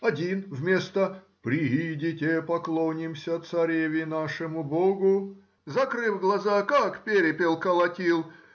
Один вместо приидите, поклонимся Цареви нашему Богу, закрыв глаза, как перепел, колотил